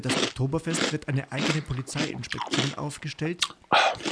das Oktoberfest wird eine eigene Polizeiinspektion aufgestellt,